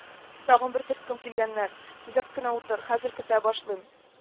“тагын бер төркем килгәннәр, төзек кенә утыр, хәзер кертә башлыйм